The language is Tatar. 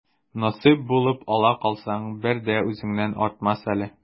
Насыйп булып ала калсаң, бер дә үзеңнән артмас әле.